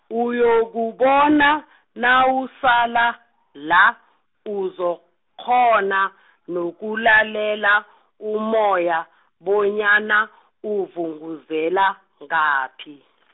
uyokubona , nawusala, la, uzokukghona , nokulalela, umoya, bonyana, uvunguzela, ngaphi .